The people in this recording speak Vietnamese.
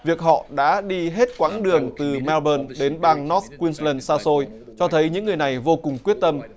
việc họ đã đi hết quãng đường từ meo bơn đến bang nót quyn lừn xa xôi cho thấy những người này vô cùng quyết tâm